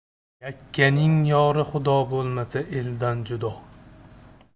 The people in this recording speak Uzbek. yakkaning yori xudo bo'lmasa eldan judo